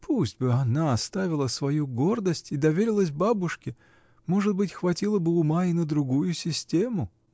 — Пусть бы она оставила свою гордость и доверилась бабушке: может быть, хватило бы ума и на другую систему.